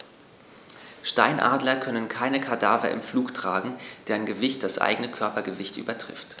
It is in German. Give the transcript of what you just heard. Steinadler können keine Kadaver im Flug tragen, deren Gewicht das eigene Körpergewicht übertrifft.